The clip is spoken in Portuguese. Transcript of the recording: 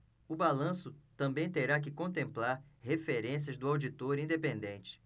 o balanço também terá que contemplar referências do auditor independente